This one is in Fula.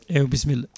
eywa bisimilla